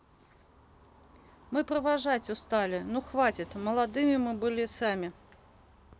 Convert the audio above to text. мы провожать устали ну хватит молодыми мы были сами